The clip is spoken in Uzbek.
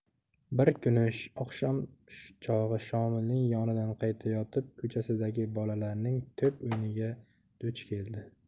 bir kuni oqshom chog'i shomilning yonidan qaytayotib ko'chasidagi bolalarning to'p o'yiniga duch keldi